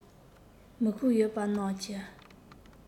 མི ཤུགས ཡོད པ རྣམས ཀྱིས